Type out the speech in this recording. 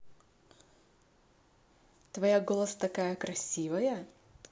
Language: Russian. твоя голос такая красивая